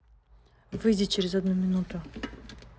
выйди через одну минуту